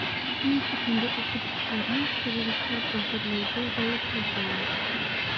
Ничек инде укытучыларны террористлар әзерләүдә гаепләп була?